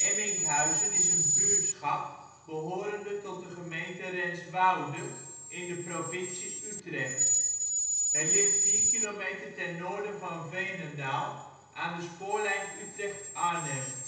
Emminkhuizen is een buurtschap behorende tot de gemeente Renswoude in de provincie Utrecht. Het ligt 4 kilometer ten noorden van Veenendaal aan de spoorlijn Utrecht - Arnhem